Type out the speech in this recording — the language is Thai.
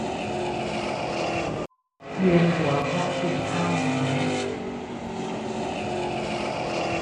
เวียนหัวเพราะกินข้าวน้อย